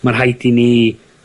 ma' rhaid i ni